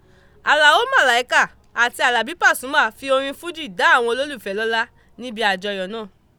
Àlàó Màláíkà àti Àlàbí Pàsúmà fi orin fújì dá àwọn olólùfẹ́ lọ́lá níbi àjọyọ̀ náà.